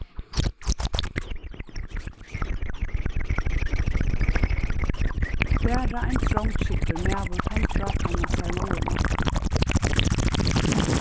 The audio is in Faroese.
bara ein trongskygdur maður kann frákanna sær móðurmálið